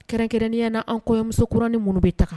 Kɛrɛnkɛrɛnnenya na an kɔɲɔmuso kuranin minnu bɛ taga